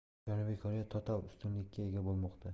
janubiy koreya total ustunlikka ega bo'lmoqda